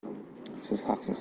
siz haqsiz